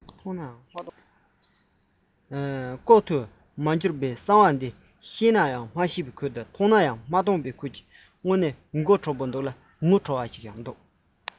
ལྐོག ཏུ མ གྱུར པའི གསང བ ཤེས ནའང མ ཤེས ཁུལ མཐོང ནའང མ མཐོང ཁུལ བྱེད ཀྱིན འདུག དངོས གནས དགོད བྲོ བ ཞིག རེད ངུ བྲོ བ ཞིག ཀྱང རེད